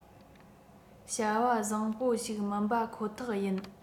བྱ བ བཟང པོ ཞིག མིན པ ཁོ ཐག ཡིན